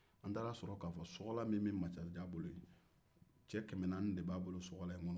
n'taara sɔrɔ ka fɔ sɔkɔla min bɛ masajan bolo yen cɛ kɛmɛnaani de b'a bolo sɔkɔla in kɔnɔ